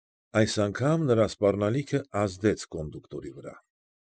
Այս անգամ նրտ սպառնալիքը ազդեց կոնդուկտորի վրա։